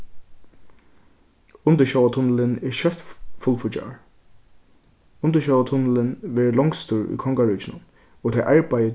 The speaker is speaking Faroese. undirsjóvartunnilin er skjótt fullfíggjaður undirsjóvartunnilin verður longstur í kongaríkinum og tey arbeiða